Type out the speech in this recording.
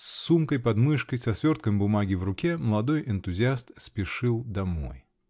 С сумкой под мышкой, со свертком бумаги в руке, молодой энтузиаст спешил домой.